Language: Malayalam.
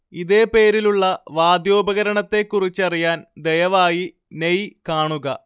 ഇതേ പേരിലുള്ള വാദ്യോപകരണത്തെക്കുറിച്ചറിയാൻ ദയവായി നെയ് കാണുക